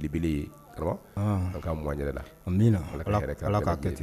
La ala kɛ